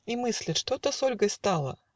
И мыслит: "Что-то с Ольгой стало?